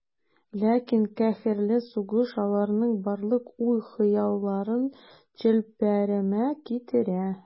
Ләкин каһәрле сугыш аларның барлык уй-хыялларын челпәрәмә китерә.